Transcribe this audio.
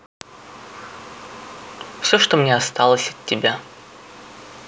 все что мне осталось от тебя